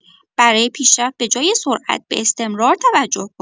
برای پیشرفت به‌جای سرعت، به استمرار توجه کن.